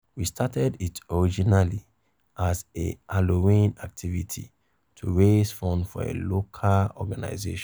We started it originally as a Halloween activity to raise funds for a local organization.